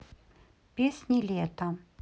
песни лета